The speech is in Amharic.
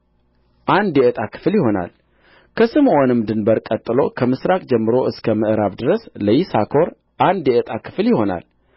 አንድ የዕጣ ክፍል ይሆናል ከስምዖንም ድንበር ቀጥሎ ከምሥራቅ ጀምሮ እስከ ምዕራብ ድረስ ለይሳኮር አንድ የዕጣ ክፍል ይሆናል